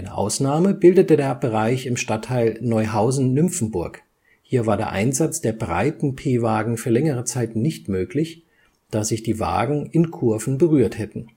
Ausnahme bildete der Bereich im Stadtteil Neuhausen-Nymphenburg, hier war der Einsatz der breiten P-Wagen für längere Zeit nicht möglich, da sich die Wagen in Kurven berührt hätten